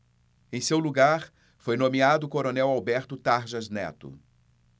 em seu lugar foi nomeado o coronel alberto tarjas neto